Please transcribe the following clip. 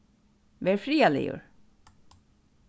ver friðarligur